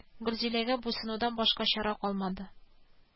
Бу юлы урыс җиңеп чыксын ди.